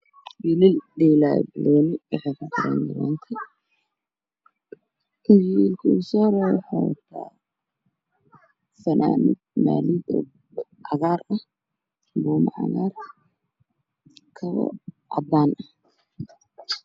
Waa wiilal dheelaya banooni waxay wataan fanaanad cagaar buu ma cadda madow mid ka soo reexo watay koofi cadaan